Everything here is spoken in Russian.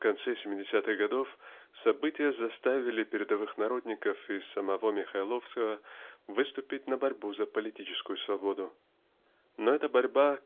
в конце семидесятых годов события заставили передовых народников и самого Михайловского выступить на борьбу за политическую свободу. Но эта борьба